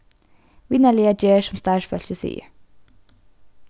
vinarliga ger sum starvsfólkið sigur